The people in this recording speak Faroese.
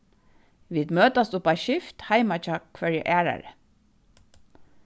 vit møtast upp á skift heima hjá hvørji aðrari